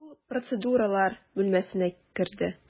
Ул процедуралар бүлмәсенә керде.